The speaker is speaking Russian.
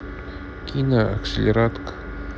кино акселератка